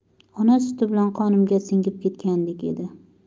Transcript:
ona suti bilan qonimga singib ketgandek edi